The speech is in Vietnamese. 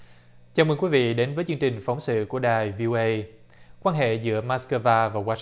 chào mừng quý vị đến với chương trình phóng sự của đài vi ô ây quan hệ giữa mát cơ va và wa